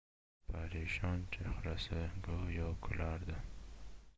parishon chehrasi go'yo kulardi